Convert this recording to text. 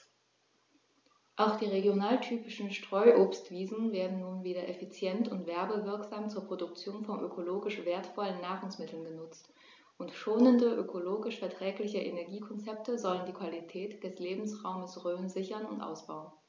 Auch die regionaltypischen Streuobstwiesen werden nun wieder effizient und werbewirksam zur Produktion von ökologisch wertvollen Nahrungsmitteln genutzt, und schonende, ökologisch verträgliche Energiekonzepte sollen die Qualität des Lebensraumes Rhön sichern und ausbauen.